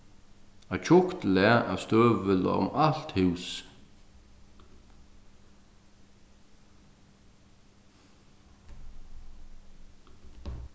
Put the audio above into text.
eitt tjúkt lag av støvi lá um alt húsið